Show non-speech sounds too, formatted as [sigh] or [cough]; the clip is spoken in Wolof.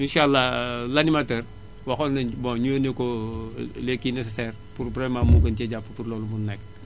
insaa àllaa l' animateur waxoon nañu bon ñu yónnee ko [hesitation] les kii nécessaires pour vraiment mu [noise] gën cee jàpp pour lolu mën nekk